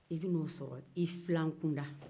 i bɛna o sɔrɔ i filan kunda